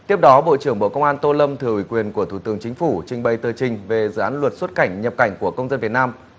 tiếp đó bộ trưởng bộ công an tô lâm thừa ủy quyền của thủ tướng chính phủ trình bày tờ trình về dự án luật xuất cảnh nhập cảnh của công dân việt nam